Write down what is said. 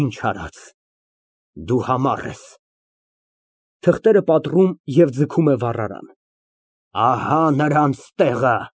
Ինչ արած, դու համառ ես։ (Թղթերը պատռում և ձգում է վառարան) Ահա նրանց տեղը։